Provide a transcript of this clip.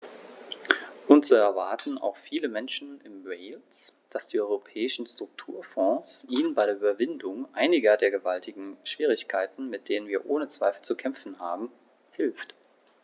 Und so erwarten auch viele Menschen in Wales, dass die Europäischen Strukturfonds ihnen bei der Überwindung einiger der gewaltigen Schwierigkeiten, mit denen wir ohne Zweifel zu kämpfen haben, hilft.